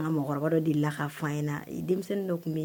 Kɔrɔba denmisɛnnin dɔ tun